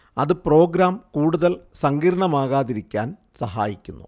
അത് പ്രോഗ്രാം കൂടുതൽ സങ്കീർണ്ണമാകാതിരിക്കാൻ സഹായിക്കുന്നു